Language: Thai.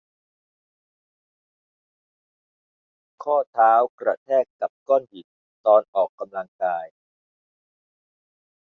ข้อเท้ากระแทกกับก้อนหินตอนออกกำลังกาย